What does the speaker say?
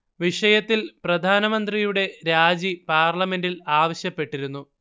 വിഷയത്തിൽ പ്രധാനമന്ത്രിയുടെ രാജി പാർലമെന്റിൽ ആവശ്യപ്പെട്ടിരുന്നു